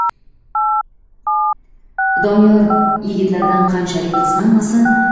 doniyor yigitlardan qanchalik qizg'anmasin